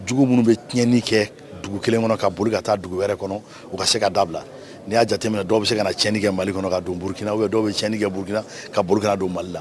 Dugu minnu bɛ tiɲɛnani kɛ dugu kelen kɔnɔ kauru ka taa dugu wɛrɛ kɔnɔ u ka se ka dabila n'i y'a jate minɛ dɔw bɛ se ka cɛnɲɛni kɛ mali kɔnɔ ka donurukina o dɔw bɛ cɛnin kɛ burukina kauru don mali la